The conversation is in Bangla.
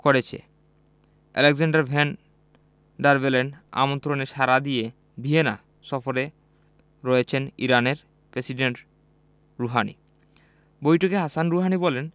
করেছে আলেক্সান্ডার ভ্যান ডার বেলেনের আমন্ত্রণে সাড়া দিয়ে ভিয়েনা সফরে রয়েছেন ইরানের প্রেসিডেন্ট রুহানি বৈঠকে হাসান রুহানি বলেন